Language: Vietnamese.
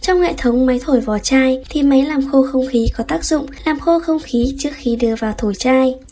trong hệ thống máy thổi vỏ chai thì máy làm khô không khí có tác dụng làm khô không khí trước khi đưa vào thổi chai